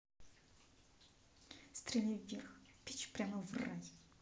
стреляй вверх печь прямо в рай